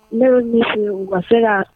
Ne y'o misi u ma sera